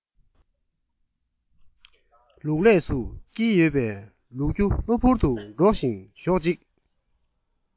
ལུག ལྷས སུ བསྐྱིལ ཡོད པའི ལུག ཁྱུ གློ བུར དུ འདྲོགས ཤིང གཞོགས ཤིག